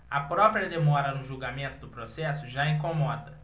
a própria demora no julgamento do processo já incomoda